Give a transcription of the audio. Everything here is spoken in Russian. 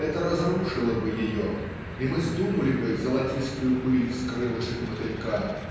это разрушило бы ее и мы сдунули бы золотистую пыль с крылышек мотылька.